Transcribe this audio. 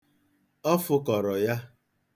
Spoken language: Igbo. Ọ fụkọrọ ya.